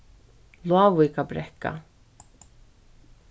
lávíkabrekka